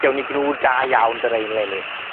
gewn ni gnwd da iawn 'da rein 'leni.